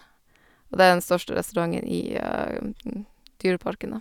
Og det er den største restauranten i dyreparken, da.